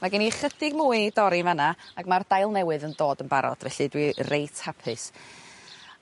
Ma' gen i ychydig mwy i dorri fan 'na ag ma'r dail newydd yn dod yn barod felly dwi reit hapus.